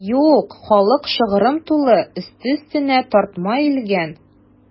Юк, халык шыгрым тулы, өсте-өстенә тартма өелгән.